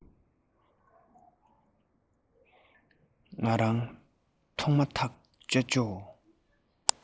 ང རང མཐོང མ ཐག ཅ ཅོ